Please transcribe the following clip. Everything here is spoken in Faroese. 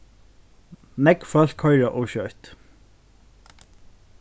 nógv fólk koyra ov skjótt